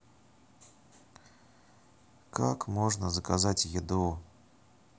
как можно заказать еду